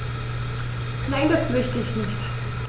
Nein, das möchte ich nicht.